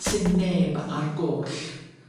Sim neb ar goll.